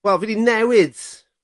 wel fi 'di newid